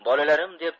bolalarim deb